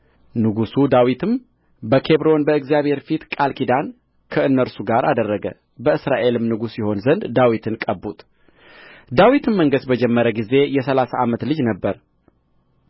ንጉሡ ዳዊትም በኬብሮን በእግዚአብሔር ፊት ቃል ኪዳን ከእነርሱ ጋር አደረገ በእስራኤልም ንጉሥ ይሆን ዘንድ ዳዊትን ቀቡት ዳዊትም መንገሥ በጀመረ ጊዜ የሠላሳ ዓመት ልጅ ነበረ